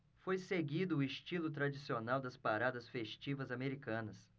foi seguido o estilo tradicional das paradas festivas americanas